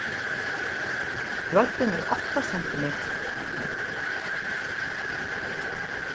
breiddin er átta sentimetrar